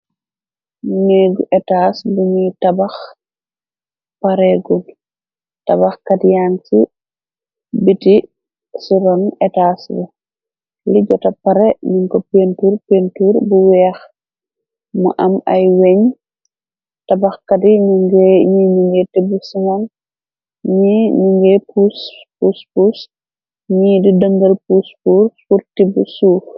Neegu etaas biñuy tabax pareegun tabax kat yaan ci biti ci ron etaas ri li jota pare biñ ko pentur pentur bu weex mu am ay weñ tabax kati ñi ñingee te bi sinon inge pus pus ñi di dëngël puspur furti bu suuf.